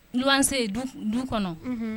Wanse yen du kɔnɔ